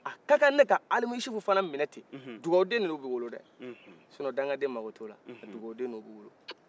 a ka kan ne ka alimusufu fana minɛ ten dugaden n'o bɛ wolo sinon danganden magot'ola